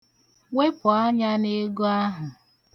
Wepu anya n'ego ahụ.